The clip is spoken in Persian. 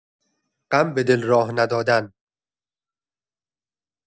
غم به دل راه ندادن